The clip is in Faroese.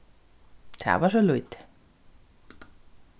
tað var so lítið